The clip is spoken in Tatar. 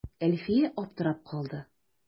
Әлфия аптырап калды.